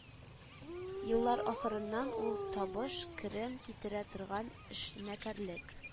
Еллар ахырыннан ул «табыш, керем китерә торган эшмәкәрлек,